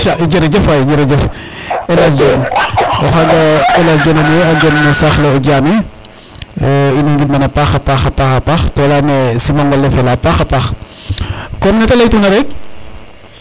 jerejef waay jerejef Elhaj Dione o xaga Elhaj Dione a ne e a gen no saxle o jane in way ngidmana a paxa paax to leyane simangole a fela a paxa pxa paax comme nete ley tuna rek